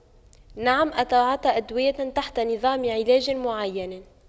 نعم أتعاطى أدوية تحت نظام علاج معين